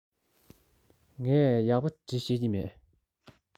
ངས ཡག པོ འབྲི ཤེས ཀྱི མེད